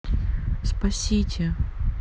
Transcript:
спасите